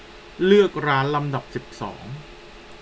เลือกร้านลำดับสิบสอง